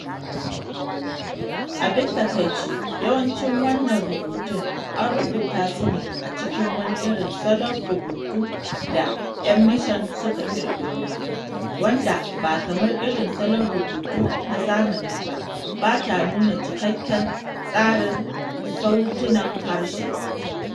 Abin takaici, yawancin wannan rubutun an rubuta su ne a cikin wani irin salon rubutu da 'yan mishan suka ƙirƙiro , wanda ba kamar irin salon rubutu na zamani ba, ba ta nuna cikakken tsarin sautunan harshe.